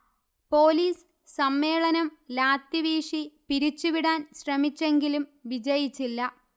police സമ്മേളനം ലാത്തിവീശി പിരിച്ചുവിടാൻ ശ്രമിച്ചെങ്കിലും വിജയിച്ചില്ല